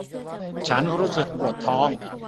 ฉันรู้สึกปวดท้อง